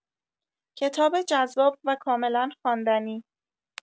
کتاب جذاب و کاملا خواندنی